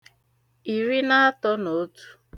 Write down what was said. ìri na atọ̄ nà otù